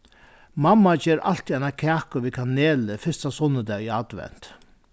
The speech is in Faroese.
mamma ger altíð ein kaku við kaneli fyrsta sunnudag í advent